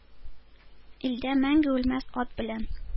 Илдә мәңге үлмәс ат белән